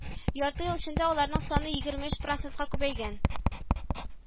Ярты ел эчендә аларның саны егерме өч процентка күбәйгән